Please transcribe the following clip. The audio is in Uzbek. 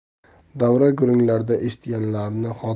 davra gurunglarda eshitganlarini